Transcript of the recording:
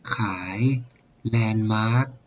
ขายแลนด์มาร์ค